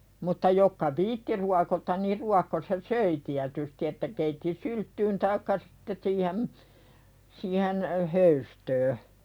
mutta jotka viitsi ruokota niin ruokkosi ja söi tietysti että keitti sylttyyn tai sitten siihen siihen höystöön